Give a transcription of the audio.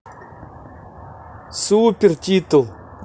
супер титул